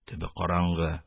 Төбе караңгы;